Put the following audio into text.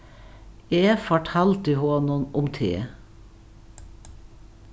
eg fortaldi honum um teg